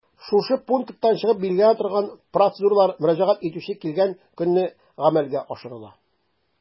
Шушы пункттан чыгып билгеләнә торган процедуралар мөрәҗәгать итүче килгән көнне гамәлгә ашырыла.